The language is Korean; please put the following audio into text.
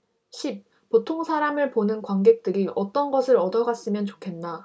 십 보통사람을 보는 관객들이 어떤 것을 얻어갔으면 좋겠나